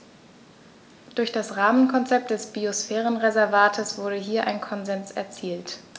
Durch das Rahmenkonzept des Biosphärenreservates wurde hier ein Konsens erzielt.